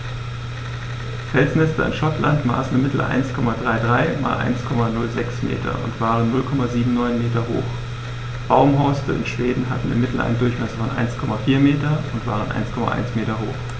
Felsnester in Schottland maßen im Mittel 1,33 m x 1,06 m und waren 0,79 m hoch, Baumhorste in Schweden hatten im Mittel einen Durchmesser von 1,4 m und waren 1,1 m hoch.